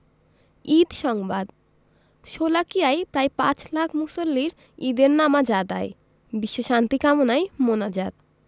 ঈদ সংবাদ শোলাকিয়ায় প্রায় পাঁচ লাখ মুসল্লির ঈদের নামাজ আদায় বিশ্বশান্তি কামনায় মোনাজাত